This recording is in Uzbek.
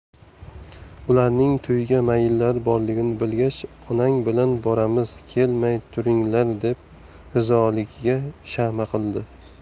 ularning to'yga mayllari borligini bilgach onang bilan boramiz kelmay turinglar deb rizoligiga shama qildi